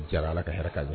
Jaa ala ka hɛrɛ a